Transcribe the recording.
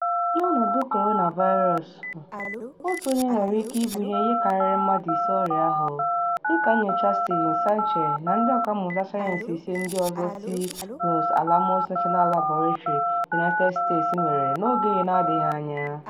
N'ọnọdụ Coronavirus, otu onye nwere ike ibunye ihe karịrị mmadụ ise ọrịa ahụ, dị ka nnyocha Steven Sanche na ndị ọkàmmụta sayensị ise ndị ọzọ si Los Alamos National Laboratory, United States mere n'oge n'adịghị anya.